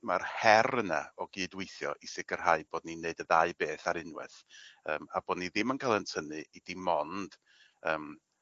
ma'r her yna o gydweithio i sicirhau bod ni'n neud y ddau beth ar unwaith yym a bod ni ddim yn ca'l 'yn tynnu i dim ond yym